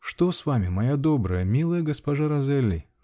-- Что с вами, моя добрая, милая госпожа Розелли?